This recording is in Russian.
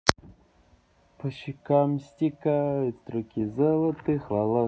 по щекам стекают струйки золотых волос